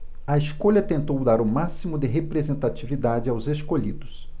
a escolha tentou dar o máximo de representatividade aos escolhidos